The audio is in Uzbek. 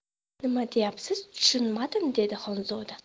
nima deyapsiz tushunmadim dedi xonzoda